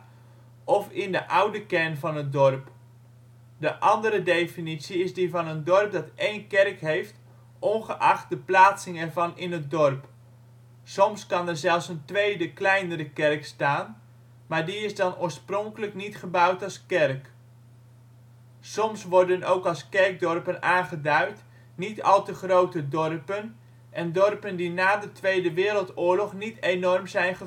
in de oude kern van het dorp. De andere definitie is die van een dorp dat één kerk heeft ongeacht de plaatsing ervan in het dorp. Soms kan er zelfs een tweede, kleinere kerk staan, maar die is dan oorspronkelijk niet gebouwd als kerk. Soms worden ook als kerkdorpen aangeduid niet al te grote dorpen en dorpen die na de Tweede Wereldoorlog niet enorm zijn